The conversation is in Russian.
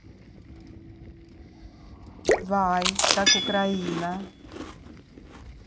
вай как украина